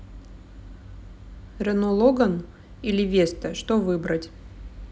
renault logan или vesta что выбрать